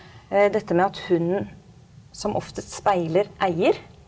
dette med at hunden som oftest speiler eier.